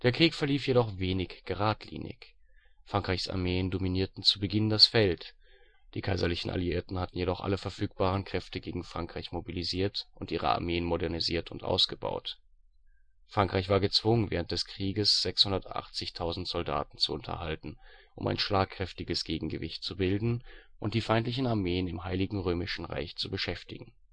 Krieg verlief jedoch wenig geradlinig; Frankreichs Armeen dominierten zu Beginn das Feld. Die kaiserlichen Alliierten hatten jedoch alle verfügbaren Kräfte gegen Frankreich mobilisiert und ihre Armeen modernisiert und ausgebaut. Frankreich war gezwungen während des Krieges 680.000 Soldaten zu unterhalten um ein schlagkräftiges Gegengewicht zu bilden und die feindlichen Armeen im Heiligen Römischen Reich zu beschäftigen